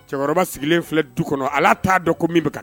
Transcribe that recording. Cɛkɔrɔba sigilen filɛ du kɔnɔ, hali a t'a dɔn min bɛ ka